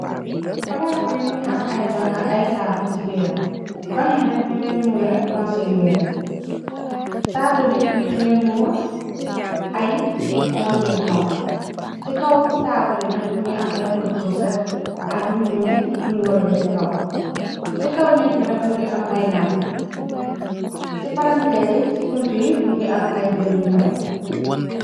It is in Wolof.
Palas bi mongi am ay waŋ ak ay taabal ci biiram bang yi nag nyung leen muure morso bu weex taabul yi ñyung leen muur ay morsuyu xonxo ci kaw taabul yi nag mungi am ay cudde furset ak luñu luñ warare ci kaw ci kaw nek bi nag mëngi am ay lam ci paranteer i ci buntu yi mingi am ay rido yun fa def.